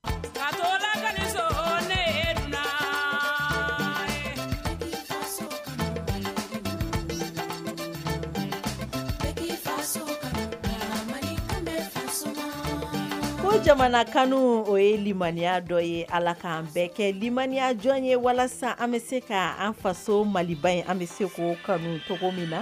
La ko jamana kanu o ye limaya dɔ ye ala k'an bɛɛ kɛlimaniya jɔn ye walasa an bɛ se ka an faso mali ye an bɛ se k' kanu cogo min na